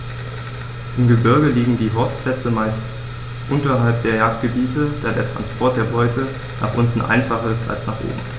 Im Gebirge liegen die Horstplätze meist unterhalb der Jagdgebiete, da der Transport der Beute nach unten einfacher ist als nach oben.